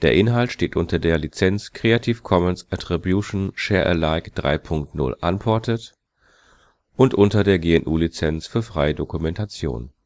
Inhalt steht unter der Lizenz Creative Commons Attribution Share Alike 3 Punkt 0 Unported und unter der GNU Lizenz für freie Dokumentation